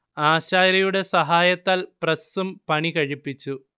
ആശാരിയുടെ സഹായത്താൽ പ്രസ്സും പണികഴിപ്പിച്ചു